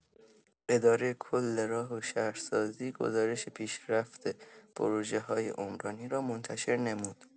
اداره‌کل راه و شهرسازی گزارش پیشرفت پروژه‌های عمرانی را منتشر نمود.